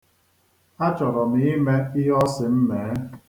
A chọrọ m ime ihe ọ si m mee.